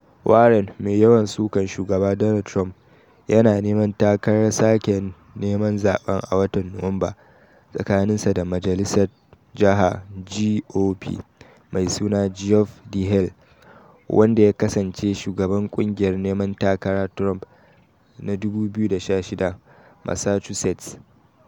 Warren, mai yawan sukan Shugaba Donald Trump, yana neman takarar sake neman zaben a watan Nuwamba tsakaninsa da dan majalisat Jaha GOP. mai suna Geoff Diehl, wanda ya kasance shugaban kungiyar neman takara Trump na 2016 Massachusetts.